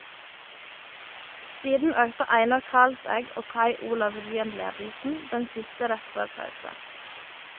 Siden økte Einar Kalsæg og Kai Olav Ryen ledelsen, den siste rett før pause.